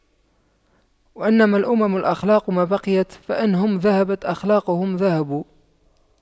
وإنما الأمم الأخلاق ما بقيت فإن هم ذهبت أخلاقهم ذهبوا